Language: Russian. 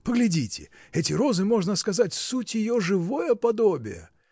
Поглядите, эти розы, можно сказать, суть ее живое подобие.